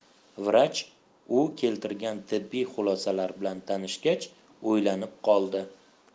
vrach u keltirgan tibbiy xulosalar bilan tanishgach o'ylanib qoldi